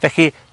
Felly,